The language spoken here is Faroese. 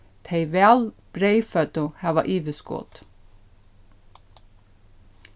tey væl breyðføddu hava yvirskot